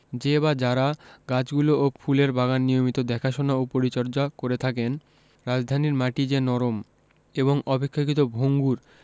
যে বা যারা গাছগুলো ও ফুলের বাগান নিয়মিত দেখাশোনা ও পরিচর্যা করে থাকেন রাজধানীর মাটি যে নরম এবং অপেক্ষাকৃত ভঙ্গুর